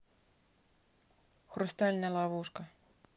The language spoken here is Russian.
хрустальная ловушка